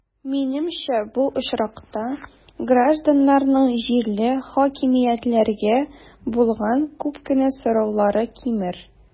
Минемчә, бу очракта гражданнарның җирле хакимиятләргә булган күп кенә сораулары кимер.